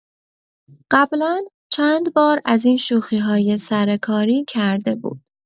قبلا چند بار از این شوخی‌های سرکاری کرده بود.